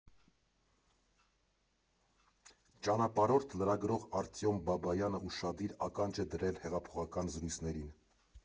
Ճանապարհորդ, լրագրող Արտյոմ Բաբայանը ուշադիր ականջ է դրել հեղափոխական զրույցներին։